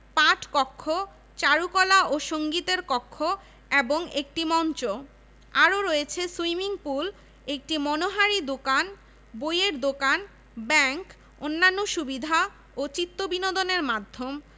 পাঠকক্ষ চারুকলা ও সঙ্গীতের কক্ষ এবং একটি মঞ্চ আরও রয়েছে সুইমিং পুল একটি মনোহারী দোকান বইয়ের দোকান ব্যাংক অন্যান্য সুবিধা ও চিত্তবিনোদনের মাধ্যম